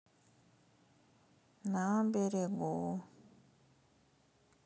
на берегу